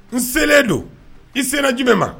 N selen don, i sela jumɛn ma?